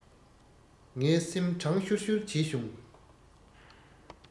ངའི སེམས གྲང ཤུར ཤུར བྱས བྱུང